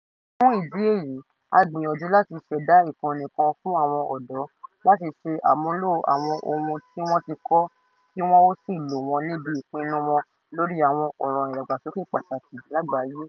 Fún ìdí èyí, a gbìyànjú láti ṣẹ̀dá ìkànnì kan fún àwọn ọ̀dọ́ láti ṣe àmúlò àwọn ohun tí wọ́n ti kọ́ kí wọ́n ó sì lò wọ́n níbi ìpinnu wọn lórí àwọn ọ̀ràn ìdàgbàsókè pàtàkì lágbàáyé.